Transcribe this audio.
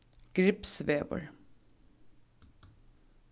gripsvegur